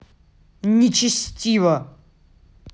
нечестиво